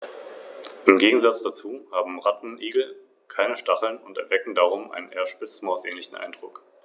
Einfacher zu betrachten ist die üppige Vegetation.